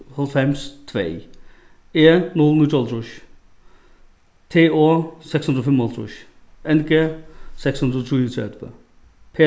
hálvfems tvey e null níggjuoghálvtrýss t o seks hundrað og fimmoghálvtrýss n g seks hundrað og trýogtretivu